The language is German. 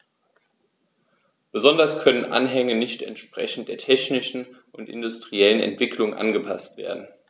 Insbesondere können Anhänge nicht entsprechend der technischen und industriellen Entwicklung angepaßt werden.